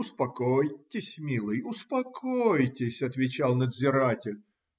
- Успокойтесь, милый, успокойтесь, - отвечал надзиратель.